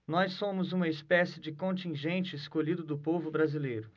nós somos uma espécie de contingente escolhido do povo brasileiro